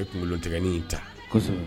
E kunkolo wolo tɛ in ta